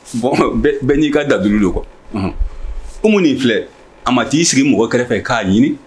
Bɛ bɛɛ n'i ka dalilu de quoi . Unhun. Umu ni filɛ, a ma t'i sigi mɔgɔ kɛrɛfɛ k'a ɲini